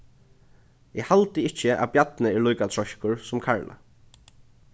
eg haldi ikki at bjarni er líka treiskur sum karla